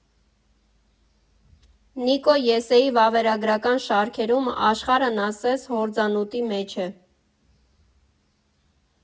Նիկո Յեսսեի վավերագրական շարքերում աշխարհն ասես հորձանուտի մեջ է։